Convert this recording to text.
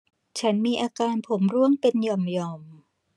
ฉันมีอาการผมร่วงเป็นหย่อมหย่อม